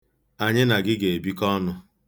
Anyị na gị ga-ebikọ ọnụ.